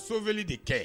Sowuele de kɛ